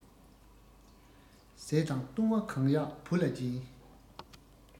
བཟས དང བཏུང བ གང ཡག བུ ལ སྦྱིན